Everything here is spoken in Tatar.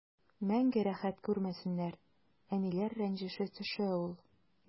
Мәңге рәхәт күрмәсеннәр, әниләр рәнҗеше төшә ул.